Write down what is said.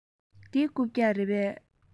འདི རྐུབ བཀྱག རེད པས